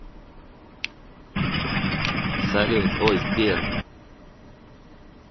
салют ой сбер